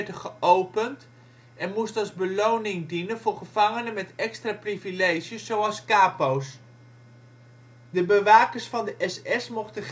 geopend en moest als beloning dienen voor gevangenen met extra privileges, zoals kapo 's. De bewakers van de SS mochten geen